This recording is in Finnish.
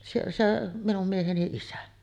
siellä se minun mieheni isä